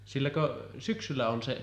silläkö syksyllä on se